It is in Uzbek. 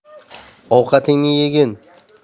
ovqatingni yegin